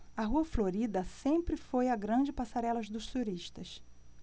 a rua florida sempre foi a grande passarela dos turistas